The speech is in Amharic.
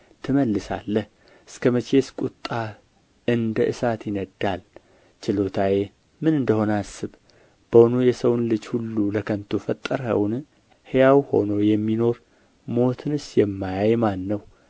ትመልሳለህ እስከ መቼስ ቍጣህ እንደ እሳት ይነድዳል ችሎታዬ ምን እንደ ሆነ አስብ በውኑ የሰውን ልጅ ሁሉ ለከንቱ ፈጠርኸውን ሕያው ሆኖ የሚኖር ሞትንስ የማያይ ማን ነው